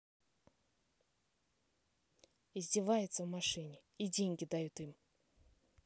издевается в машине и деньги дают им